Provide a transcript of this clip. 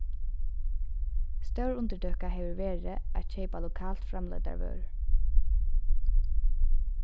stór undirtøka hevur verið at keypa lokalt framleiddar vørur